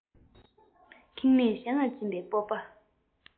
ཁེངས མེད གཞན ལ སྦྱིན པའི སྤོབས པ